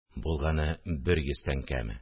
Булганы бер йөз тәңкәме